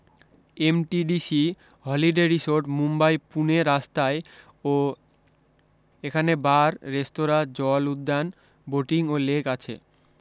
MTDC holiday resort Mumbai Pune রাস্তায় ও এখানে বার রেস্তোরা জল উদ্যান বোটিং ও লেক আছে